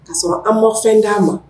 K ka sɔrɔ an mɔ fɛn d'a ma